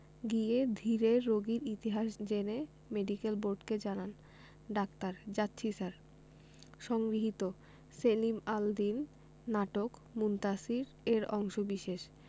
গিয়ে ধীরে রোগীর ইতিহাস জেনে মেডিকেল বোর্ডকে জানান ডাক্তার যাচ্ছি স্যার সংগৃহীত সেলিম আল দীন নাটক মুনতাসীর এর অংশবিশেষ